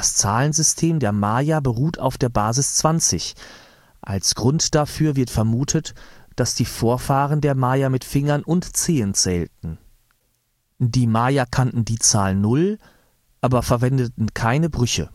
Zahlensystem der Maya beruht auf der Basis 20. Als Grund dafür wird vermutet, dass die Vorfahren der Maya mit Fingern und Zehen zählten. Die Maya kannten die Zahl 0, aber verwendeten keine Brüche